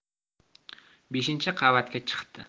beshinchi qavatga chiqdi